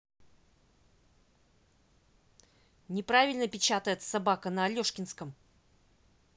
неправильно печатает собака на алешкинском